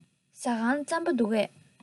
ཟ ཁང ལ རྩམ པ འདུག གས